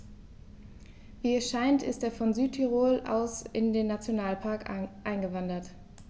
Wie es scheint, ist er von Südtirol aus in den Nationalpark eingewandert.